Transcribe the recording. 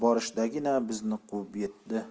berishdagina bizni quvib yetdi